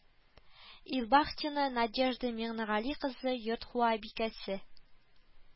Илбахтина Надежда Миңнегали кызы йорт хуабикәсе